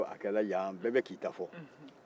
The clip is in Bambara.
dɔw ko a kɛra yan bɛɛ bɛ k'i ta fɔ